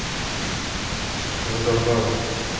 задолбала